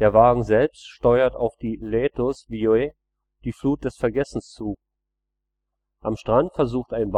Wagen selbst steuert auf die Laetus vloet, die Flut des Vergessens, zu. Am Strand versucht ein Bauer